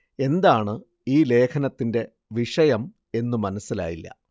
എന്താണ് ഈ ലേഖനത്തിന്റെ വിഷയം എന്നു മനസ്സിലായില്ല